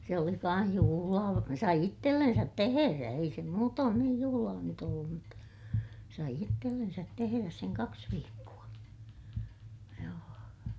se oli kanssa juhlaa sai itsellensä tehdä ei se muutoin niin juhlaa nyt ollut mutta sai itsellensä tehdä sen kaksi viikkoa joo